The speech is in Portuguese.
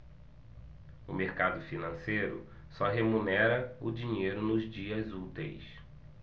o mercado financeiro só remunera o dinheiro nos dias úteis